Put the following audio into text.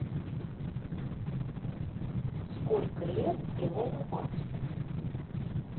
сколько лет илону маску